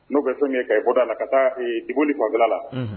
N'o bɛ fɛn min ye ka i bɔda a la ka taa dini fabila la